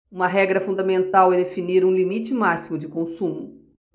uma regra fundamental é definir um limite máximo de consumo